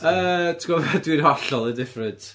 yy ti'n gwbod be dwi'n hollol indifferent